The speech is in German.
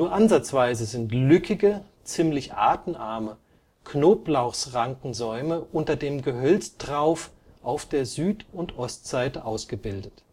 ansatzweise sind lückige, ziemlich artenarme Knoblauchsraukensäume unter dem Gehölztrauf auf der Süd - und Ostseite ausgebildet